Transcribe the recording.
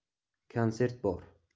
konsert bor